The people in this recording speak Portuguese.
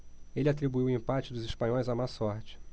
ele atribuiu o empate dos espanhóis à má sorte